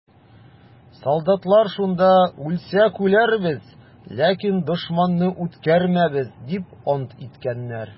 Солдатлар шунда: «Үлсәк үләрбез, ләкин дошманны үткәрмәбез!» - дип ант иткәннәр.